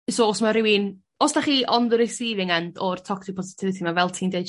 so os ma' rywun os dach chi on the recieving end o'r toxic positivity fel ti'n deud